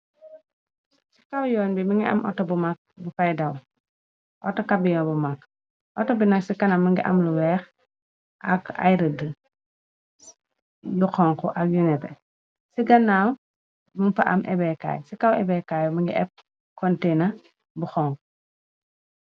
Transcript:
Ci kaw yoon bi mi ngi am auto bu makg bu fydaw auto kamiyon bu mag auto bi nag ci kana mingi am lu weex ak ayrëd yu xonk ak yu nebe ci gannaaw mun fa am ébekaay ci kaw ebekaay mi ngi épp kontina bu xonku.